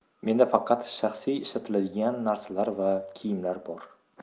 menda faqat shaxsiy ishlatiladigan narsalar va kiyimlar bor